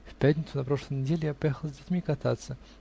В пятницу на прошлой неделе я поехала с детьми кататься